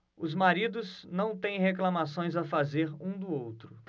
os maridos não têm reclamações a fazer um do outro